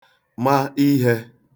ma ihe